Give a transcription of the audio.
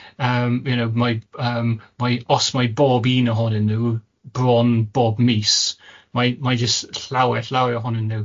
yym you know mae yym mae os mae bob un ohonyn nhw bron bob mis, mae mae jyst llawer llawer ohonyn nhw.